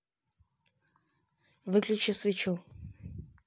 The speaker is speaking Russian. выключи свечу